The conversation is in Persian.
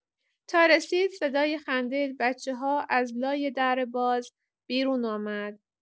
تا رسید، صدای خندۀ بچه‌ها از لای در باز بیرون آمد.